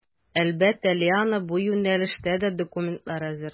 Әлбәттә, Лиана бу юнәлештә дә документлар әзерли.